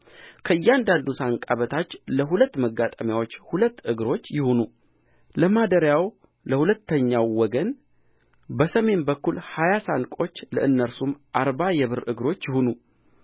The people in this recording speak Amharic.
ከእያንዳንዱ ሳንቃ በታች ለሁለት ማጋጠሚያዎች ሁለት እግሮች ይሁኑ ለማደሪያው ለሁለተኛው ወገን በሰሜን በኩል ሀያ ሳንቆች ለእነርሱም አርባ የብር እግሮች ይሁኑ